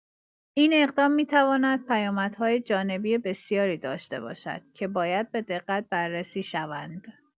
این اقدام می‌تواند پیامدهای جانبی بسیاری داشته باشد که باید به‌دقت بررسی شوند.